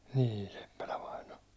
niin Seppälä vainaja